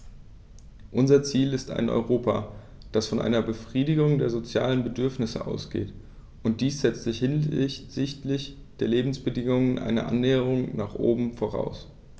Unser Ziel ist ein Europa, das von einer Befriedigung der sozialen Bedürfnisse ausgeht, und dies setzt hinsichtlich der Lebensbedingungen eine Annäherung nach oben voraus.